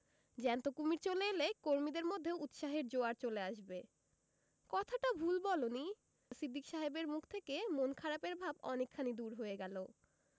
জ্যান্ত কুমীর চলে এলে কর্মীদের মধ্যেও উৎসাহের জোয়ার চলে আসবে কথাটা ভুল বলনি সিদ্দিক সাহেবের মুখ থেকে মন খারাপের ভাব অনেকখানি দূর হয়ে গেল